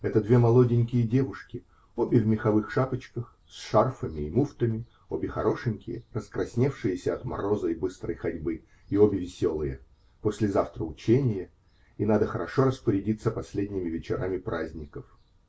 Это две молоденькие девушки, обе в меховых шапочках, с шарфами и муфтами, обе хорошенькие, раскрасневшиеся от мороза и быстрой ходьбы и обе веселые: послезавтра учение, и надо хорошо распорядиться последними вечерами праздников.